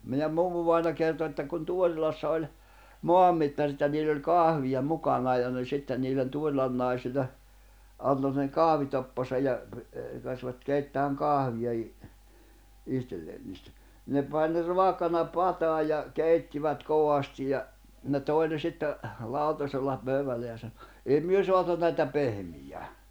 meidän mummuvainaja kertoi että kun Tuorilassa oli maanmittarit ja niillä oli kahvia mukanaan ja ne sitten niille Tuorilan naisille antoi sen kahvitoppansa ja ne käskivät keittämään kahvia - itselleen niistä niin ne pani ne raakana pataan ja keittivät kovasti ja ne toi ne sitten lautasella pöydälle ja sanoi ei me saatu näitä pehmiämään